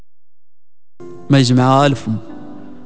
مجموعه الف